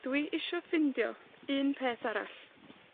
Dwi isio ffindio un peth arall.